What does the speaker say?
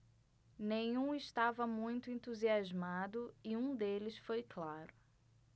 nenhum estava muito entusiasmado e um deles foi claro